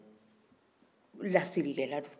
laseli kɛla don